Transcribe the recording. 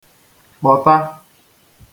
kpọ̀ta